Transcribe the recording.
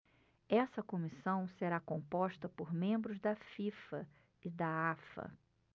essa comissão será composta por membros da fifa e da afa